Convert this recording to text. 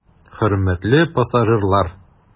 Хөрмәтле пассажирлар!